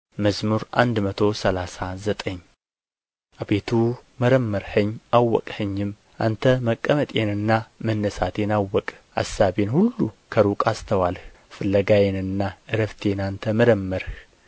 መዝሙር መቶ ሰላሳ ዘጠኝ አቤቱ መረመርኸኝ አወቅኸኝም አንተ መቀመጤንና መነሣቴን አወቅህ አሳቤን ሁሉ ከሩቅ አስተዋልህ ፍለጋዬንና ዕረፍቴን አንተ መረመርህ